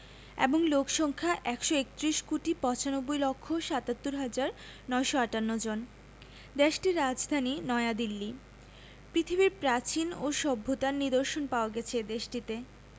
এবং লোক সংখ্যা ১৩১ কোটি ৯৫ লক্ষ ৭৭ হাজার ৯৫৮ জনদেশটির রাজধানী নয়াদিল্লী পৃথিবীর প্রাচীন ও সভ্যতার নিদর্শন পাওয়া গেছে এ দেশটিতে